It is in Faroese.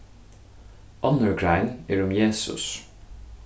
onnur grein er um jesus